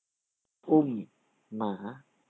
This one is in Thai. อุ้มหมา